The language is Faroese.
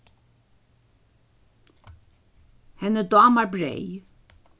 henni dámar breyð